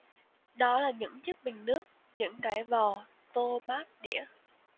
đó là những chiếc bình nước những cái vò tô bát đĩa